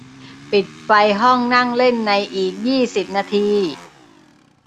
ปิดไฟห้องนั่งเล่นในอีกยี่สิบนาที